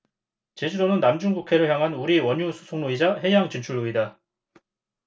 제주도는 남중국해를 향한 우리 원유수송로이자 해양 진출로이다